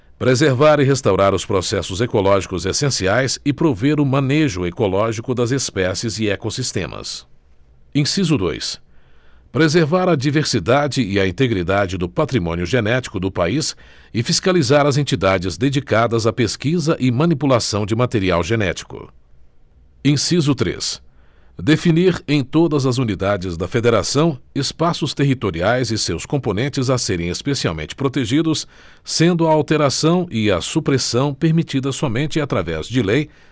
preservar e restaurar os processos ecológicos essenciais e prover o manejo ecológico das espécies e ecossistemas inciso dois preservar a diversidade e a integridade do patrimônio genético do país e fiscalizar as entidades dedicadas à pesquisa e manipulação de material genético inciso três definir em todas as unidades da federação espaços territoriais e seus componentes a serem especialmente protegidos sendo a alteração e a supressão permitidas somente através de lei